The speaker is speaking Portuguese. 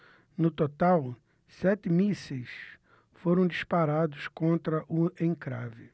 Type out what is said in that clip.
no total sete mísseis foram disparados contra o encrave